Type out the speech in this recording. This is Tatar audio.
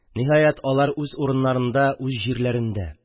Ниһәят, алар үз урыннарында, үз җирләрендә!